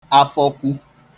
afọkwū